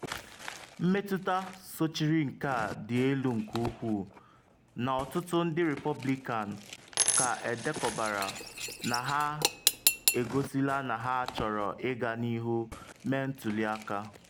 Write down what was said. Mmetụta sochiri nke a dị elu nke ukwuu, na ọtụtụ ndị Repọblikan ka edekọbara na ha egosila na ha chọrọ ịga n’ihu mee ntuli aka.